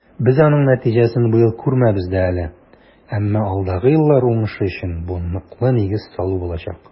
Без аның нәтиҗәсен быел күрмәбез дә әле, әмма алдагы еллар уңышы өчен бу ныклы нигез салу булачак.